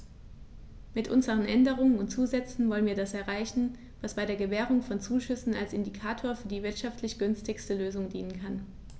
Mit unseren Änderungen und Zusätzen wollen wir das erreichen, was bei der Gewährung von Zuschüssen als Indikator für die wirtschaftlich günstigste Lösung dienen kann.